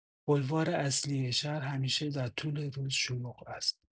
بلوار اصلی شهر همیشه در طول روز شلوغ است.